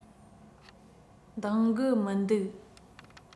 འདང གི མི འདུག